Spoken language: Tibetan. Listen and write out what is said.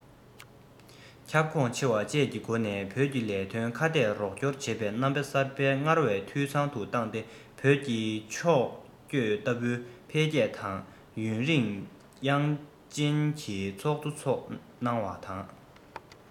ཏུའུ ཆིང ལིན དང